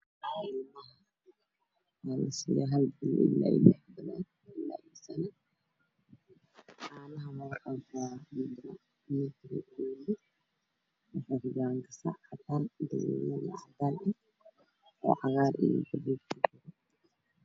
Doorare ay ku hurtaan carruurkaasi oo kaleerkiisu yahay madow iyo caddaan isku jiro